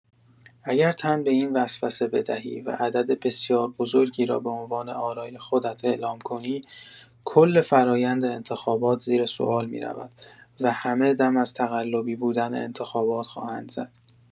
اگر تن به این وسوسه بدهی و عدد بسیار بزرگی را به عنوان آرای خودت اعلام کنی، کل فرایند انتخابات زیر سوال می‌رود و همه دم از تقلبی بودن انتخابات خواهند زد.